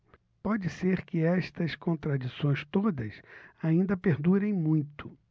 pode ser que estas contradições todas ainda perdurem muito